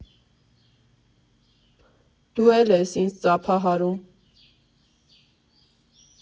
Դու է՞լ ես ինձ ծափահարում։